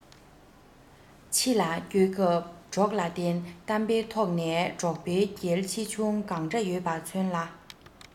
ཕྱི ལ སྐྱོད སྐབས གྲོགས ལ བརྟེན གཏམ དཔེའི ཐོག ནས གྲོགས པོའི གལ ཆེ ཆུང གང འདྲ ཡོད པ མཚོན ལ